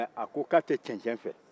mɛ a ko k'a tɛ cɛncɛn fɛ